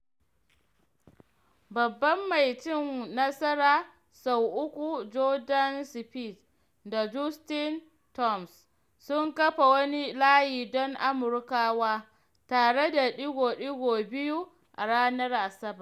Babban mai cin nasara sau uku Jordan Spieth da Justin Thomas sun kafa wani layi don Amurkawa tare da ɗigo-ɗigo biyu a ranar Asabar.